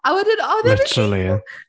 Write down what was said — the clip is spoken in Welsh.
A wedyn oedd e... Literally.